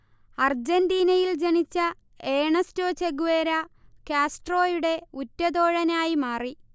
അർജന്റീനയിൽ ജനിച്ച Ernesto Che Guevara, കാസ്ട്രോയുടെ ഉറ്റതോഴനായി മാറി